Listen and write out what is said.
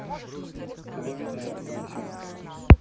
телевидение включить